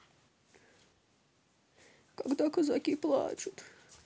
когда казаки плачут